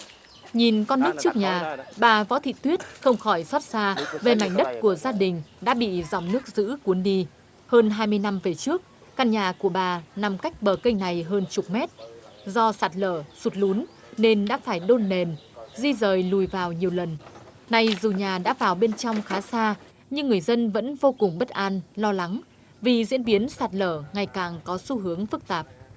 nhìn con nước trước nhà bà võ thị tuyết không khỏi xót xa về mảnh đất của gia đình đã bị dòng nước dữ cuốn đi hơn hai mươi năm về trước căn nhà của bà nằm cách bờ kênh này hơn chục mét do sạt lở sụt lún nên đã phải đôn nền di dời lùi vào nhiều lần nay dù nhà đã vào bên trong khá xa nhưng người dân vẫn vô cùng bất an lo lắng vì diễn biến sạt lở ngày càng có xu hướng phức tạp